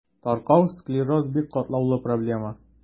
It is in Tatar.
Таркау склероз – бик катлаулы проблема.